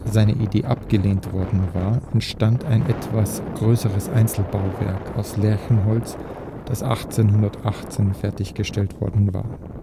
seine Idee abgelehnt worden war, entstand ein etwas größeres Ersatzbauwerk aus Lärchenholz, das 1818 fertiggestellt war